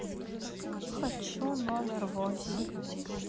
хочу номер восемь